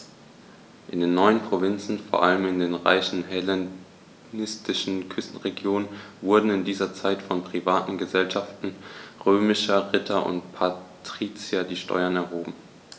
In den neuen Provinzen, vor allem in den reichen hellenistischen Küstenregionen, wurden in dieser Zeit von privaten „Gesellschaften“ römischer Ritter und Patrizier die Steuern erhoben.